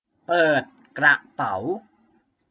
เปิดกระเป๋า